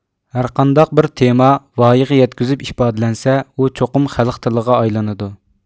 ھەرقانداق بىر تېما ۋايىگە يەتكۈزۈپ ئىپادىلەنسە ئۇ چوقۇم خەلق تىلىغا ئايلىنىدۇ